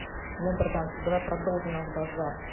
нет братанчик давай продолжим наш базар